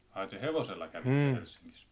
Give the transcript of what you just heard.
ai te hevosella kävitte Helsingissä